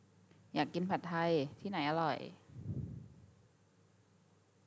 อยากกินผัดไทยที่ไหนอร่อย